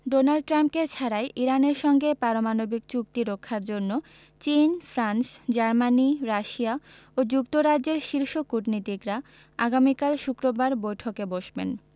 Donald ট্রাম্পকে ছাড়াই ইরানের সঙ্গে পারমাণবিক চুক্তি রক্ষার জন্য চীন ফ্রান্স জার্মানি রাশিয়া ও যুক্তরাজ্যের শীর্ষ কূটনীতিকরা আগামীকাল শুক্রবার বৈঠকে বসবেন